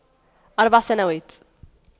أربع سنوات